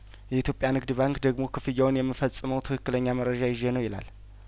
የኢትዮጵያ ንግድ ባንክ ደግሞ ክፍያውን የምፈጽመው ትክክለኛ መረጃ ይዤ ነው ይላል